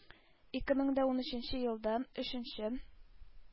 Ике мең дә унөченче елда – өченче,